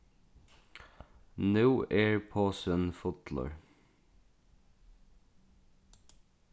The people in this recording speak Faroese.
nú er posin fullur